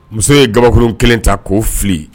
Muso ye kabakuruurun kelen ta koo fili